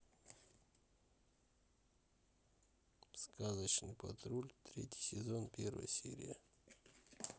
сказочный патруль третий сезон первая серия